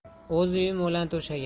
o'z uyim o'lan to'shagim